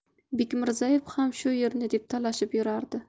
bekmirzaev ham shu yerni deb talashib yurardi